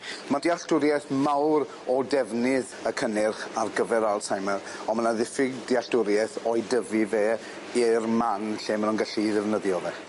Ma' dealltwrieth mawr o defnydd y cynnyrch ar gyfer Alzheimer on' ma' 'na ddiffyg dealltwrieth o'i dyfu fe i'r man lle ma' nw'n gallu ddefnyddio fe.